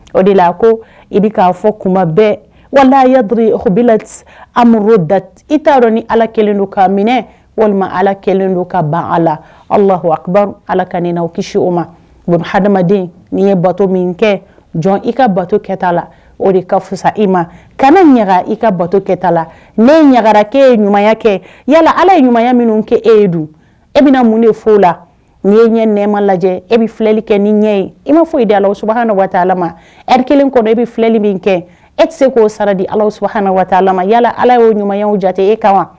O de la ko i bɛ ka fɔ kuma bɛɛ wala yadu hbiti amadu da i t'a dɔn ni ala kelen don ka minɛ walima ala kɛlen don ka ban a la ala la ala ka ne na o kisi o ma hadamaden nin ye bato min kɛ jɔn i ka bato kɛta la o de ka fisasa i ma kana ɲaga i ka bato kɛta la ne ɲagara e ye ɲuman kɛ yala ala ye ɲuman minnu kɛ e ye dun e bɛna mun de fɔ la n ye ɲɛ nɛma lajɛ e bɛ filɛli kɛ ni ɲɛ ye i ma fɔ i da ala sula eri kelen kɔ e bɛ filɛli min kɛ e tɛ se k'o sara di ala subaala ma yala ala ye ɲumanw jate e kama wa